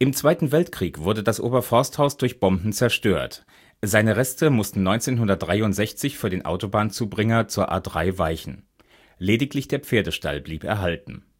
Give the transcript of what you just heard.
Zweiten Weltkrieg wurde das Oberforsthaus durch Bomben zerstört, seine Reste mussten 1963 für den Autobahnzubringer zur A 3 weichen. Lediglich der Pferdestall blieb erhalten